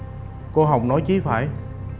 cô hồng nói chí phải